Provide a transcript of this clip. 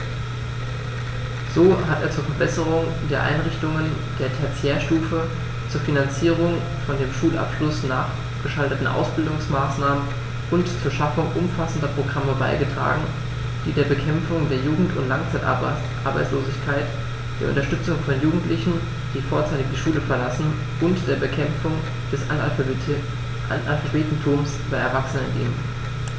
So hat er zur Verbesserung der Einrichtungen der Tertiärstufe, zur Finanzierung von dem Schulabschluß nachgeschalteten Ausbildungsmaßnahmen und zur Schaffung umfassender Programme beigetragen, die der Bekämpfung der Jugend- und Langzeitarbeitslosigkeit, der Unterstützung von Jugendlichen, die vorzeitig die Schule verlassen, und der Bekämpfung des Analphabetentums bei Erwachsenen dienen.